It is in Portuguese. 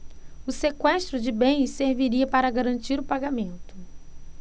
o sequestro de bens serviria para garantir o pagamento